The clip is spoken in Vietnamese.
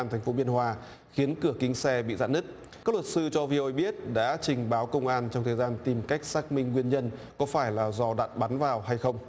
thành phố biên hòa khiến cửa kính xe bị rạn nứt các luật sư cho vi ô ây biết đã trình báo công an trong thời gian tìm cách xác minh nguyên nhân có phải là do đạn bắn vào hay không